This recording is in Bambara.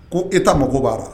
Ko eta mako b'a